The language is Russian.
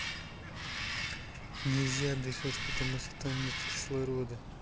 нельзя дышать потому что там нет кислорода